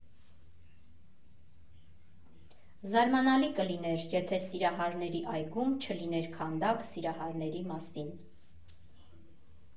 Զարմանալի կլիներ, եթե Սիրահարների այգում չլիներ քանդակ սիրահարների մասին։